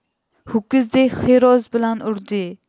ho'kizdek xeroz bilan urde